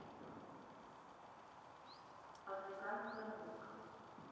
африканская музыка